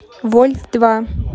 вольт два